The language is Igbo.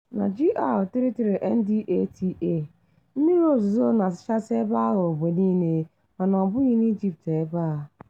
_@gr33ndata : Mmiri ozuzo na-asacha ebe ahụ ebe niile mana ọ bụghị n'Ijipt ebe a.